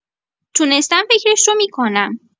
تونستم فکرش رو می‌کنم.